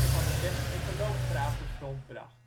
van het Westelijke loopgravenfront bracht